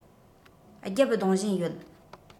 བརྒྱབ རྡུང བཞིན ཡོད